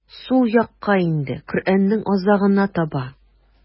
Сул якка инде, Коръәннең азагына таба.